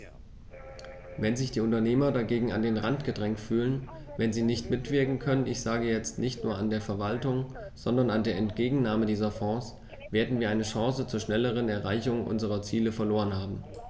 Wenn sich die Unternehmer dagegen an den Rand gedrängt fühlen, wenn sie nicht mitwirken können ich sage jetzt, nicht nur an der Verwaltung, sondern an der Entgegennahme dieser Fonds , werden wir eine Chance zur schnelleren Erreichung unserer Ziele verloren haben.